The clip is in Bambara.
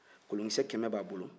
kolonkisɛ kɛmɛ b'a bolo